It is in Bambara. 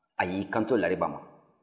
a y'i kanto lariba ma